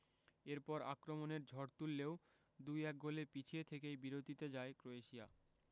এরপর আক্রমণের ঝড় তুললেও ২ ১ গোলে পিছিয়ে থেকেই বিরতিতে যায় ক্রোয়েশিয়া